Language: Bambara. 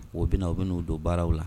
U bɛ na u bɛ n'u don baaraw la